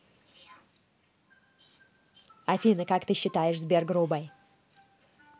афина как ты считаешь сбер грубой